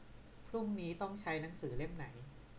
พรุ่งนี้ต้องใช้หนังสือเล่มไหน